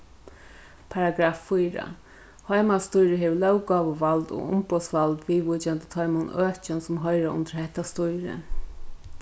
paragraf fýra heimastýrið hevur lóggávuvald og umboðsvald viðvíkjandi teimum økjum sum hoyra undir hetta stýri